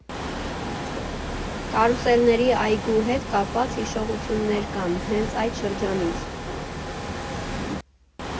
Կարուսելների այգու հետ կապված հիշողություններ կան հենց այդ շրջանից։